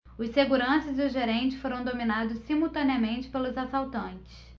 os seguranças e o gerente foram dominados simultaneamente pelos assaltantes